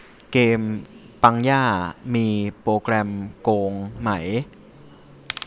เกมปังย่ามีโปรแกรมโกงไหม